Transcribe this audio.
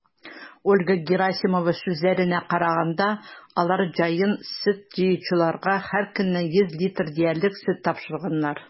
Ольга Герасимова сүзләренә караганда, алар җәен сөт җыючыларга һәркөнне 100 литр диярлек сөт тапшырганнар.